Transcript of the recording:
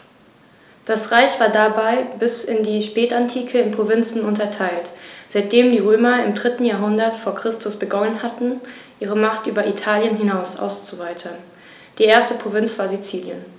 Das Reich war dabei bis in die Spätantike in Provinzen unterteilt, seitdem die Römer im 3. Jahrhundert vor Christus begonnen hatten, ihre Macht über Italien hinaus auszuweiten (die erste Provinz war Sizilien).